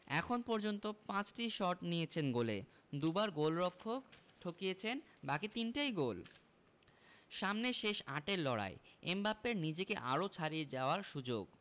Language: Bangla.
এখন পর্যন্ত ৫টি শট নিয়েছেন গোলে দুবার গোলরক্ষক ঠকিয়েছেন বাকি তিনটাই গোল সামনে শেষ আটের লড়াই এমবাপ্পের নিজেকে আরও ছাড়িয়ে যাওয়ার সুযোগ